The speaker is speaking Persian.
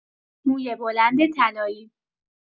موی بلند طلایی